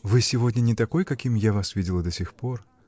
-- Вы сегодня не такой, каким я вас видела до сих пар.